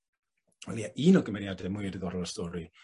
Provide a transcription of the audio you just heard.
wel ie un o gymeriade mwya diddorol y stori